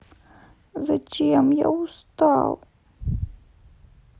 зачем я устал